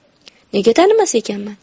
nega tanimas ekanman